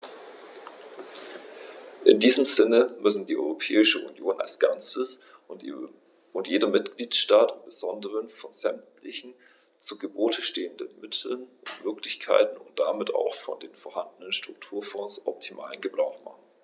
In diesem Sinne müssen die Europäische Union als Ganzes und jeder Mitgliedstaat im besonderen von sämtlichen zu Gebote stehenden Mitteln und Möglichkeiten und damit auch von den vorhandenen Strukturfonds optimalen Gebrauch machen.